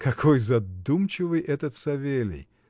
— Какой задумчивый этот Савелий!